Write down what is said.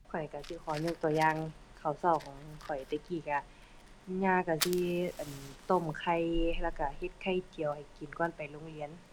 ข้อยก็สิขอยกตัวอย่างข้าวก็ของข้อยแต่กี้ก็ ย่าก็สิ อั่น ต้มไข่แล้วก็เฮ็ดไข่เจียวให้กินก่อนไปโรงเรียน